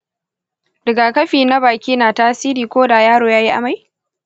rigakafi na baki na tasiri ko da yaro ya yi amai?